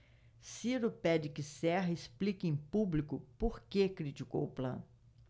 ciro pede que serra explique em público por que criticou plano